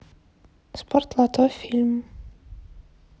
спорт лото фильм